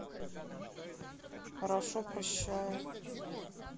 хорошо прощаю